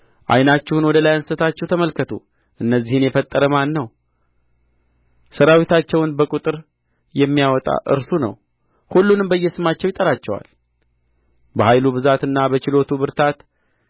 ዓይናችሁን ወደ ላይ አንሥታችሁ ተመልከቱ እነዚህን የፈጠረ ማን ነው ሠራዊታቸውን በቍጥር የሚያወጣ እርሱ ነው ሁሉንም በየስማቸው ይጠራቸዋል በኃይሉ ብዛትና በችሎቱ ብርታት